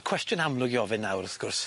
Y cwestiwn amlwg i ofyn nawr wrth gwrs...